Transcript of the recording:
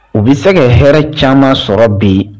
U be se ka hɛrɛ caman sɔrɔ bi.